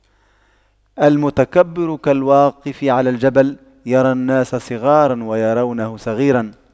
المتكبر كالواقف على الجبل يرى الناس صغاراً ويرونه صغيراً